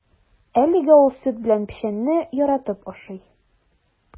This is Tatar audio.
Әлегә ул сөт белән печәнне яратып ашый.